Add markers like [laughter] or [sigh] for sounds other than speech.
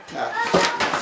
waaw [noise]